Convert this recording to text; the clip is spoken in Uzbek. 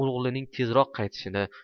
o'g'lining tezroq qaytishini